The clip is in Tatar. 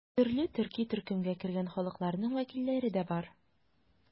Төрле төрки төркемгә кергән халыкларның вәкилләре дә бар.